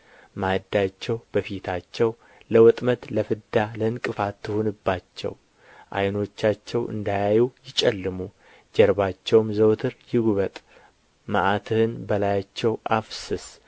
ማዕዳቸው በፊታቸው ለወጥመድ ለፍዳ ለዕንቅፋት ትሁንባቸው ዓይኖቻቸው እንዳያዩ ይጨልሙ ጀርባቸውም ዘወትር ይጕበጥ መዓትህን በላያቸው አፍስስ